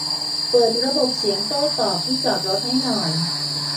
เปิดระบบเสียงโต้ตอบที่จอดรถให้หน่อย